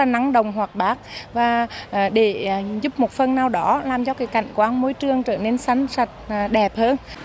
năng động hoạt bát và để giúp một phần nào đó làm cho cây cảnh quan môi trường trở nên xanh sạch đẹp hơn